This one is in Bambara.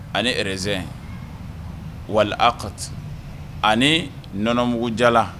Ani z wali a ka aniɔnɔ mugujala